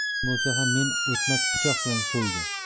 kim bo'lsa ham meni o'tmas pichoq bilan so'ydi